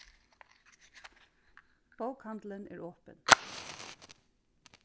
bókahandilin er opin